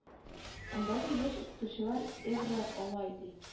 Андагы яшь укытучылар евро ала ди